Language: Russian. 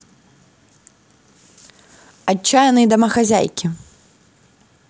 отчаянные домохозяйки